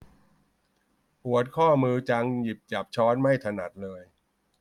ปวดข้อมือจังหยิบจับช้อนไม่ถนัดเลย